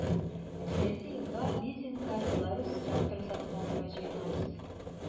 Киләсе елга лизингка “Беларусь” тракторы сатып алырга җыенабыз.